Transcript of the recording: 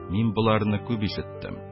Мин боларны күп ишеттем